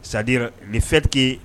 Sadira nin fitigi